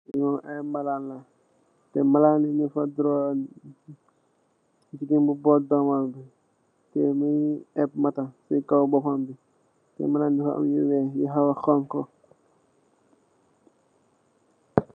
Li aye malanla ,malan yi nyung fa draw amna ku buut dome munge enuh mattasi bopam bi, munge sol lu xhong khu